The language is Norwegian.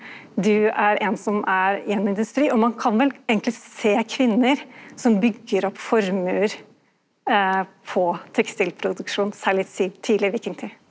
du er ein som er i ein industri og ein kan vel eigentleg sjå kvinner som bygger opp formuar på tekstilproduksjon særleg tidleg vikingtid.